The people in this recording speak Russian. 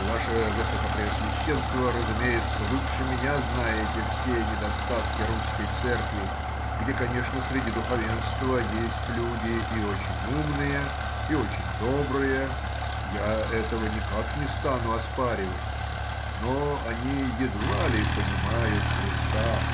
— Ваше высокопреосвященство, разумеется, лучше меня знаете все недостатки русской церкви, где, конечно, среди духовенства есть люди и очень умные и очень добрые,— я этого никак не стану оспаривать, но они едва ли понимают Христа.